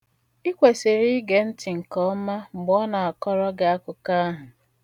I kwesịrị ige ntị nke ọma mgbe ọ na-akọrọ gị akụkọ ahụ.